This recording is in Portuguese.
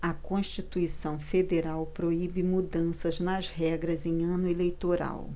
a constituição federal proíbe mudanças nas regras em ano eleitoral